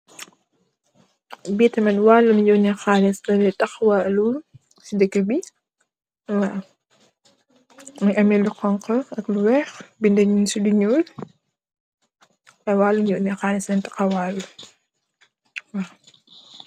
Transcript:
Bitamit walum yonex xalis tafuwalu deka bi mogi ameh lu xonxa ak lu weex benda nyu si lu nuul walum yonex xalis tahawalu.